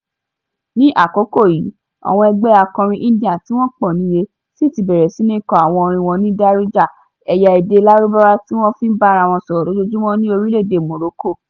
Ní àkókò yìí, àwọn ẹgbẹ́ akọrin indie tí wọ́n ń pọ̀ níye si ti bẹ̀rẹ̀ sí ní kọ àwọn orin wọn ní Darija, ẹ̀yà èdè Lárúbáwá tí wọ́n fi ń bára wọn sọ̀rọ̀ lójoojúmọ́ ní orílẹ̀ èdè Morocco.